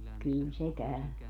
kyllä se käy